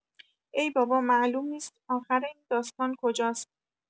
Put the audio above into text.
ای بابا معلوم نیست آخر این داستان کجاست.